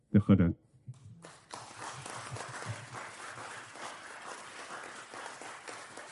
Dioch fawr iawn.